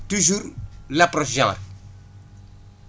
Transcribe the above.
toujours l' approche genre